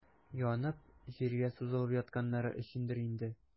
Янып, җиргә сузылып ятканнары өчендер инде.